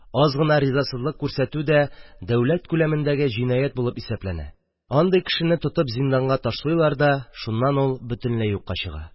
Аз гына ризасызлык күрсәтү дә дәүләт күләмендәге җинәят булып исәпләнә: андый кешене тотып зинданга ташлыйлар да, шуннан ул бөтенләй юкка чыга.